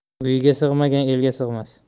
uyiga sig'magan eliga sig'mas